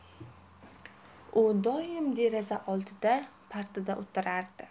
u doim deraza oldidagi partada o'tirardi